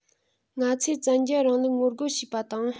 ང ཚོས བཙན རྒྱལ རིང ལུགས ངོ རྒོལ བྱེད པ དང